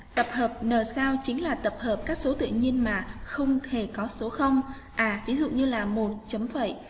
tập hợp n sao chính là tập hợp các số tự nhiên mà không thể có số không ví dụ như là một chấm phẩy